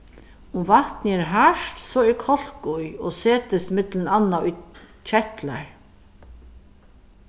um vatnið er hart so er kálk í og setist millum annað í ketlar